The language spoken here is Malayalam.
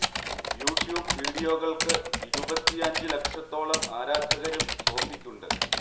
യൂട്യൂബ് വീഡിയോകൾക്ക് ഇരുപത്തി അഞ്ജു ലക്ഷത്തോളം ആരാധകരും സോഫിക്കുണ്ട്